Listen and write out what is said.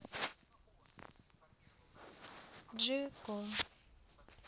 j cole